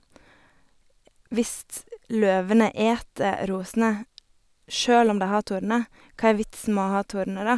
Hvis løvene eter rosene sjøl om de har torner, hva er vitsen med å ha torner da?